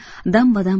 dam badam